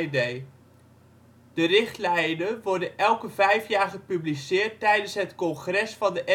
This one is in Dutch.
De richtlijnen worden elke vijf jaar gepubliceerd tijdens het Congres van de